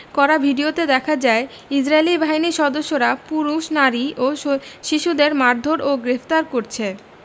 করা ভিডিওতে দেখা যায় ইসরাইলী বাহিনীর সদস্যরা পুরুষ নারী ও শিশুদের মারধোর ও গ্রেফতার করছে